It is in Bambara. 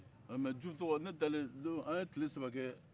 mɛ o don tɔgɔ ne taalen an ye tile saba kɛ